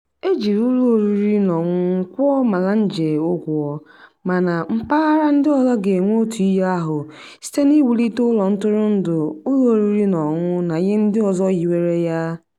E jiri ụlọ oriri na ọṅụṅụ kwụọ Malanje "ụgwọ", mana mpaghara ndị ọzọ ga-enwe otu ihe ahụ, site n'iwulite ụlọ ntụrụndụ, ụlọ oriri na ọṅụṅụ na ihe ndị ọzọ yiwere ya.